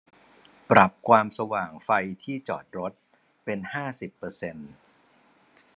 ปรับความสว่างไฟที่จอดรถเป็นห้าสิบเปอร์เซ็นต์